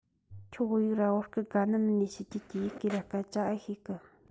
ཁྱོད བོད ཡིག ར བོད སྐད དགའ ནི མིན ནས ཕྱི རྒྱལ གི ཡི གེ ར སྐད ཆ ཨེ ཤེས གི